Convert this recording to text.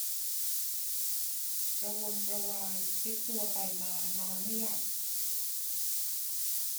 กระวนกระวายพลิกตัวไปมานอนไม่หลับ